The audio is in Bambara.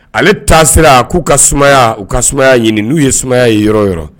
Ale' sera k'u ka sumaya u ka sumaya ɲini n' uu ye sumaya ye yɔrɔ yɔrɔ